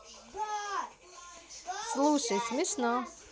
слушай смешно